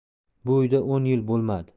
bu uyda o'n yil bo'lmadi